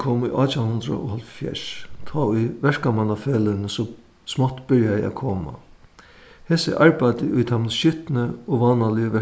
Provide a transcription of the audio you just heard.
kom í átjan hundrað og hálvfjerðs tá ið verkamannafeløgini so smátt byrjaði at koma hesi arbeiddu í teimum skitnu og vánaligu